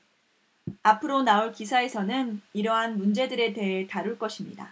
앞으로 나올 기사에서는 이러한 문제들에 대해 다룰 것입니다